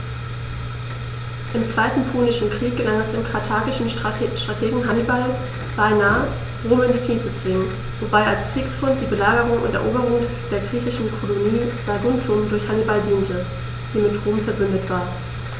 Im Zweiten Punischen Krieg gelang es dem karthagischen Strategen Hannibal beinahe, Rom in die Knie zu zwingen, wobei als Kriegsgrund die Belagerung und Eroberung der griechischen Kolonie Saguntum durch Hannibal diente, die mit Rom „verbündet“ war.